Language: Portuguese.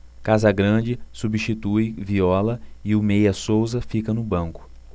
casagrande substitui viola e o meia souza fica no banco